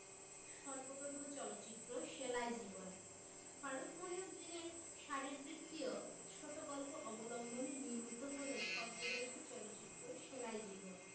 স্বল্পদৈর্ঘ্য চলচ্চিত্র সেলাই জীবন ফারুক মইনউদ্দিনের শরীরবৃত্তীয় ছোট গল্প অবলম্বনে নির্মিত হল স্বল্পদৈর্ঘ্য চলচ্চিত্র সেলাই জীবন